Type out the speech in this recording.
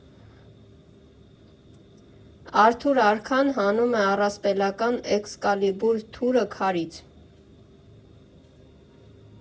Արթուր Արքան հանում է առսպելական Էքսկալիբուր թուրը քարից…